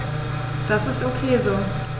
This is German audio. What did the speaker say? Das ist ok so.